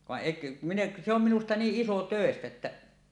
vaan ei minä en se on minusta niin isotöistä että